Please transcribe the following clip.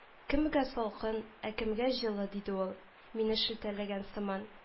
— кемгә салкын, ә кемгә җылы, — диде ул, мине шелтәләгән сыман